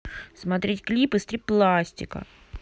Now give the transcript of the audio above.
смотреть клипы стрип пластика